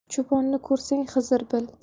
cho'pni ko'rsang xizr bil